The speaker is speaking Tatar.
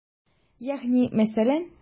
Ягъни мәсәлән?